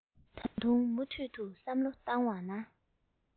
ད དུང མུ མཐུད དུ བསམ བློ བཏང ན